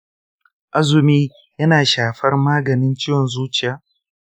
azumi yana shafar maganin ciwon zuciyata?